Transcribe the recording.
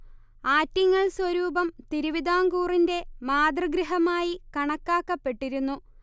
ആറ്റിങ്ങൽ സ്വരൂപം തിരുവിതാംകൂറിന്റെ മാതൃഗൃഹമായി കണക്കാക്കപ്പെട്ടിരുന്നു